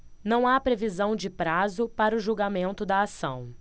não há previsão de prazo para o julgamento da ação